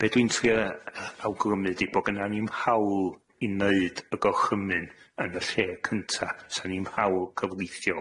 Be' dwi'n trio yy awgrymu 'di bo' gynna ni'm hawl i neud y gorchymyn yn y lle cynta. 'S'an ni'm hawl cyfreithiol.